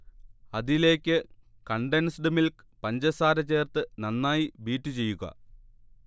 അതിലേക്ക് condensed milk, പഞ്ചസാര ചേർത്ത് നന്നായി ബീറ്റ് ചെയ്യുക